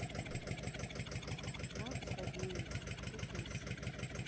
макс фадеев кукуша